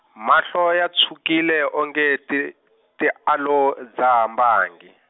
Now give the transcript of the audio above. mahlo ya tshwukile o nge ti, ti a lo dzaha mbangi.